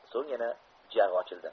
so'ng yana jag'i ochildi